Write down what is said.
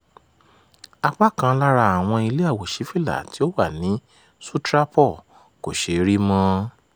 Apá kan lára àwọn ilé àwòṣífìlà tí ó wà ní Sutrapur kò ṣe é rí mọ́n.